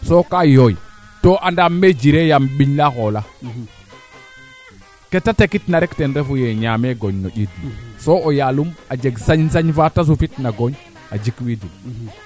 to wo o jeg ngir roog Djiby um ax luwiida ngaan axa naam ɓasi to ba seentu teena cikax to kilo ɓasi mee i ndef na kam fooge temeen fo xarɓeen naxika jaraa